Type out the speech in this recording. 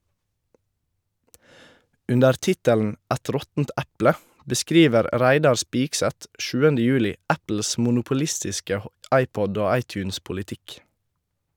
Under tittelen «Et råttent eple» beskriver Reidar Spigseth 7. juli Apples monopolistiske iPod- og iTunes-politikk.